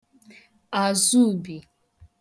àzubì